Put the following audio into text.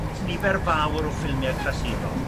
nifer fawr o ffilmie clasurol